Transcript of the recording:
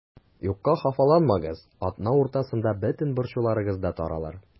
Юкка хафаланмагыз, атна уртасында бөтен борчуларыгыз да таралыр.